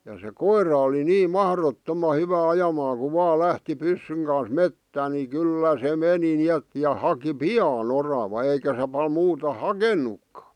ja se koira oli niin mahdottoman hyvä ajamaan kun vain lähti pyssyn kanssa metsään niin kyllä se meni niin että ja haki pian oravan eikä se paljon muuta hakenutkaan